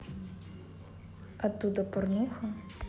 оттуда порнуха